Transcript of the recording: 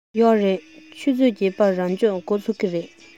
ཡོད རེད ཆུ ཚོད བརྒྱད པར རང སྦྱོང འགོ ཚུགས ཀྱི རེད